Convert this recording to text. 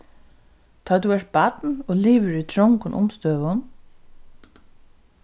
tá tú ert barn og livir í trongum umstøðum